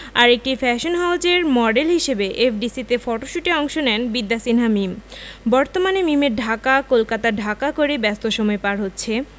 আর একটি ফ্যাশন হাউজের মডেল হিসেবে এফডিসি তে ফটোশ্যুটে অংশ নেন বিদ্যা সিনহা মীম বর্তমানে মিমের ঢাকা কলকাতা ঢাকা করেই ব্যস্ত সময় পার হচ্ছে